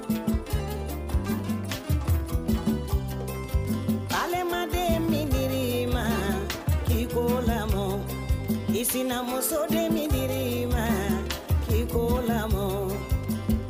Balimalima den min di i ma i ko lamɔ i sinamuso den i ma i ko lamɔ